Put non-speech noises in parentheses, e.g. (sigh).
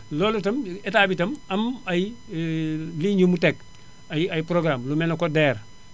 loolu itam Etat bi itam am ay (hesitation) ligne yu mu teg ay ay programmes yu mel ne que DER